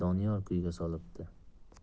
doniyor kuyga solibdi